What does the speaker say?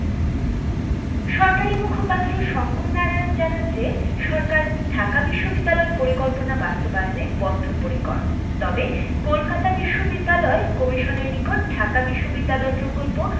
সরকারি মুখপাত্র শঙ্কর নারায়ণ জানান যে সরকার ঢাকা বিশ্ববিদ্যালয় পরিকল্পনা বাস্তবায়নে বদ্ধপরিকর তবে কলকাতা বিশ্ববিদ্যালয় কমিশনের নিকট ঢাকা বিশ্ববিদ্যালয় প্রকল্প